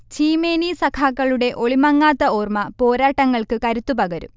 ചീമേനി സഖാക്കളുടെ ഒളിമങ്ങാത്ത ഓർമ, പോരാട്ടങ്ങൾക്ക് കരുത്തുപകരും